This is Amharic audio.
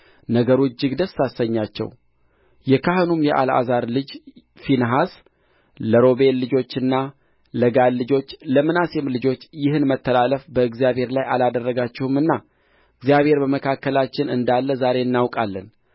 ነገሩ እጅግ ደስ አሰኛቸው የካህኑም የአልዓዛር ልጅ ፊንሐስ ለሮቤል ልጆችና ለጋድ ልጆች ለምናሴም ልጆች ይህን መተላለፍ በእግዚአብሔር ላይ አላደረጋችሁምና እግዚአብሔር በመካከላችን እንዳለ ዛሬ እናውቃለን